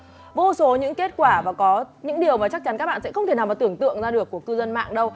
vô số những kết quả và có những điều mà chắc chắn các bạn sẽ không thể nào tưởng tượng ra được của cư dân mạng đâu